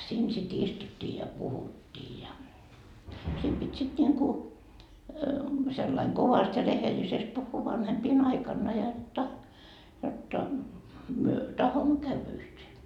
siinä sitten istuttiin ja puhuttiin ja sitten piti sitten niin kuin sillä lailla kovasti ja rehellisesti puhua vanhempien aikana jotta jotta me tahdomme käydä yhteen